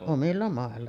omilla mailla